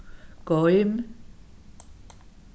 goym